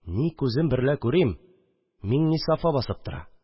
Ни күзем берлә күрим, Миңлесафа басып тора